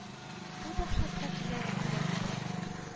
Бу дәһшәткә түзәргә кирәк иде